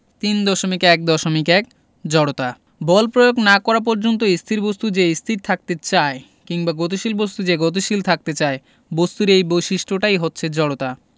৩.১.১ জড়তা বল প্রয়োগ না করা পর্যন্ত স্থির বস্তু যে স্থির থাকতে চায় কিংবা গতিশীল বস্তু যে গতিশীল থাকতে চায় বস্তুর এই বৈশিষ্ট্যটাই হচ্ছে জড়তা